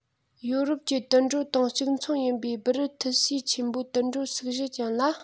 ཡོ རོབ ཀྱི དུད འགྲོ དང གཅིག མཚུངས ཡིན པའི སྦུ རི ཐི སི ཆེན པོའི དུད འགྲོ སུག བཞི ཅན ལ